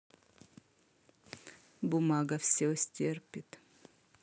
бумага все стерпит